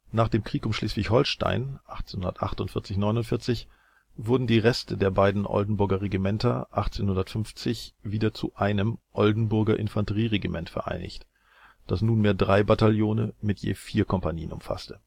Nach dem Krieg um Schleswig-Holstein (1848 - 49) wurden die Reste der beiden Oldenburger Regimenter 1850 wieder zu einem Oldenburger Infanterie-Regiment vereinigt, das nunmehr drei Bataillone mit je vier Kompanien umfasste